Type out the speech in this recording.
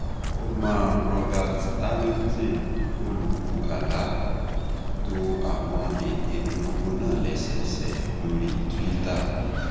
Omar Robert Hamilton, olùkùu Alaa, to àwọn ète ìpolongo náà lẹ́sẹẹsẹ lóríi Twitter: